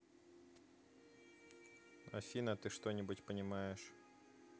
афина ты что нибудь понимаешь